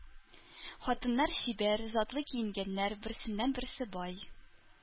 Хатыннар чибәр, затлы киенгәннәр, берсеннән-берсе бай.